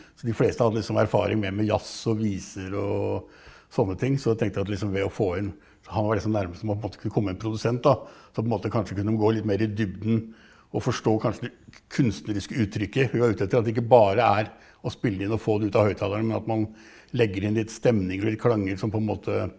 så de fleste hadde liksom erfaring mer med jazz og viser og sånne ting, så tenkte jeg at liksom ved å få inn han var liksom det nærmeste man kunne komme en produsent da så på en måte kanskje kunne gå litt mer i dybden og forstå kanskje litt kunstneriske uttrykket vi var ute etter, at det ikke bare er å spille inn og få det ut av høytaleren men at man legger inn litt stemninger og litt klanger som på en måte.